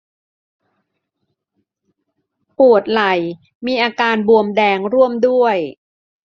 ปวดไหล่มีอาการบวมแดงร่วมด้วย